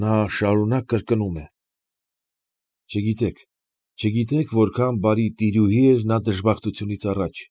Նա շարունակ կրկնում է. «Չգիտեք, չգիտեք որքան բարի տիրուհի էր նա այդ դժբախտությունից առաջ։